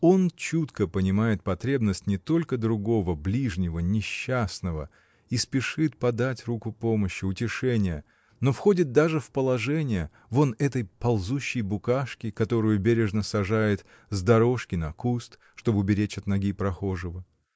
Он чутко понимает потребность не только другого, ближнего, несчастного и спешит подать руку помощи, утешения, но входит даже в положение — вон этой ползущей букашки, которую бережно сажает с дорожки на куст, чтоб уберечь от ноги прохожего.